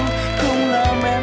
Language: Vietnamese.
anh